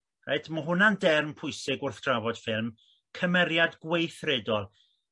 reit ma' hwnna'n derm pwysig wrth drafod ffilm cymeriad gweithredol yn y bôn ma' dau fath